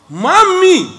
Maa min